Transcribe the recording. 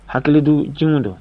Hakilidu jiumu don